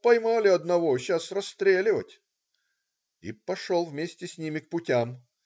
Поймали одного, сейчас расстреливать",-и пошел вместе с ними к путям.